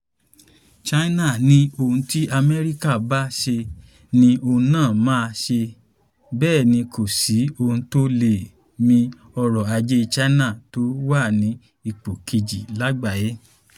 China ni ohun tí Amẹ́ríkà bá ṣe ni òun náà máa ṣe e. Bẹ́ẹ̀ ni kò sí ohun tó lè mi ọ̀rọ̀-ajé China tó wà ní ipò kejì lágbàáyé.